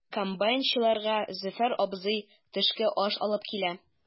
Комбайнчыларга Зөфәр абзый төшке аш алып килә.